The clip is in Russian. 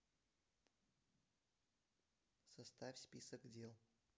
составь список дел